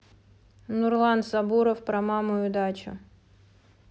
нурлан сабуров про маму и дачу